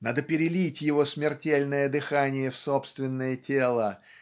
надо перелить его смертельное дыхание в собственное тело